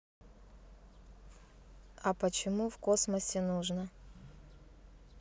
а почему в космосе нужно